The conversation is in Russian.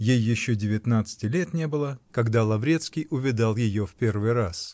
ей еще девятнадцати лет не было, когда Лаврецкий увидел ее в первый раз.